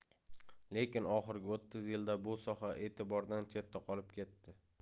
lekin oxirgi o'ttiz yilda bu soha e'tibordan chetda qolib ketdi